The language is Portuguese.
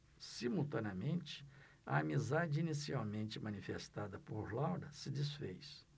simultaneamente a amizade inicialmente manifestada por laura se disfez